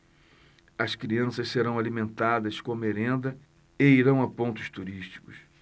as crianças serão alimentadas com merenda e irão a pontos turísticos